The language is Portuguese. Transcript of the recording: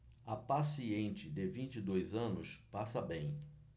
a paciente de vinte e dois anos passa bem